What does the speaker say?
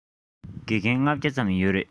དགེ རྒན ༥༠༠ ཙམ ཡོད རེད